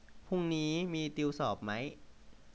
พรุ่งนี้มีติวสอบมั้ย